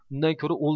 undan ko'ra